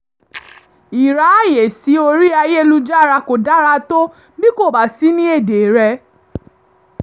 Ìráàyèsí orí Ayélujára kò dára tó bí kò bá sí ní èdè rẹ!